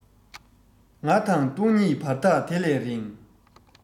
ང དང སྟོང ཉིད བར ཐག དེ ལས རིང